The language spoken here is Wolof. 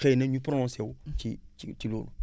xëy na ñu prononcé wu ci ci loolu